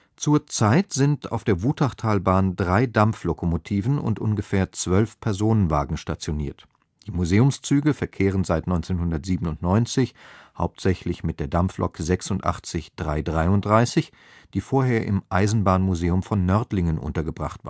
Zurzeit sind auf der Wutachtalbahn drei Dampflokomotiven und ungefähr zwölf Personenwagen stationiert. Die Museumszüge verkehren seit 1997 hauptsächlich mit der Dampflok 86 333, die vorher im Eisenbahnmuseum von Nördlingen untergebracht